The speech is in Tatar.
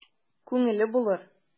Күңеле булыр...